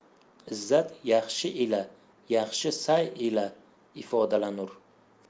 izzat yaxshi ila yaxshi sa'y ila ifodalanur